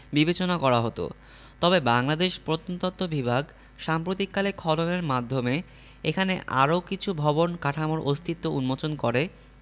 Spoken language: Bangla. বিবেচনা করা হতো তবে বাংলাদেশ প্রত্নতত্ত্ব বিভাগ সাম্প্রতিককালে খননের মাধ্যমে এখানে আরও কিছু ভবন কাঠামোর অস্তিত্ব উন্মোচন করে